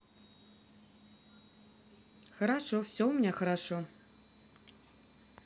хорошо все у меня хорошо